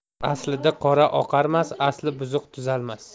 asli qora oqarmas asli buzuq tuzalmas